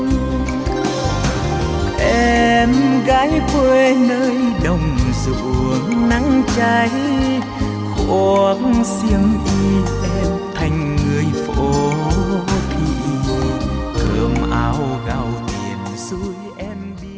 linh em gái quê nơi đồng ruộng nắng cháy gót xiêm y em thành người phố thị cơm áo gạo tiền xui em